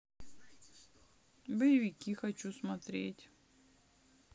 боевики хочу смотреть